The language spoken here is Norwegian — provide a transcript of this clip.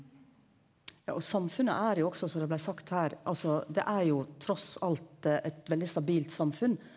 ja og samfunnet er jo også som det blei sagt her altså det er jo tross alt eit veldig stabilt samfunn.